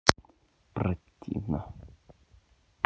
противно